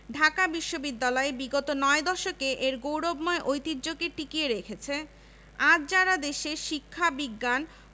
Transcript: British কর্তৃক প্রবর্তিত শিক্ষা কার্যক্রম সাদরে গ্রহণের মাধ্যমে হিন্দু সম্প্রদায় সামাজিক ও রাজনৈতিক ক্ষেত্রে তাদের অগ্রযাত্রা অব্যাহত রাখতে সক্ষম হয়